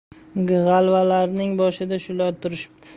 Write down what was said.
g'alvalarning boshida shular turishdi